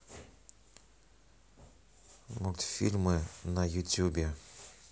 мультфильмы на ютубе